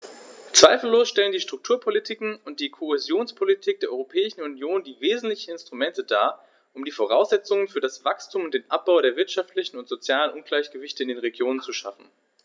Zweifellos stellen die Strukturpolitiken und die Kohäsionspolitik der Europäischen Union die wesentlichen Instrumente dar, um die Voraussetzungen für das Wachstum und den Abbau der wirtschaftlichen und sozialen Ungleichgewichte in den Regionen zu schaffen.